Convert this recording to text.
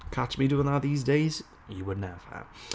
Catch me doing that these days? You would never.